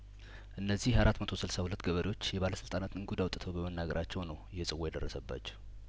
እነዚህ አራት መቶ ስልሳ ሁለት ገበሬዎች የባለስልጣናትን ጉድ አውጥተው በመናገራቸው ነው ይህ ጽዋ የደረሰባቸው